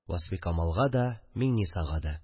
Васфикамалга да, Миңнисага да